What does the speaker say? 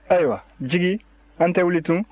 ayiwa jigi an tɛ wuli tun